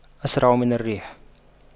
أسرع من الريح